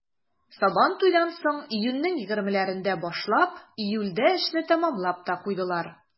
Сабантуйдан соң, июньнең 20-ләрендә башлап, июльдә эшне тәмамлап та куйдылар.